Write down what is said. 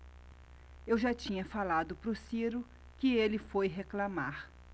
eu já tinha falado pro ciro que ele foi reclamar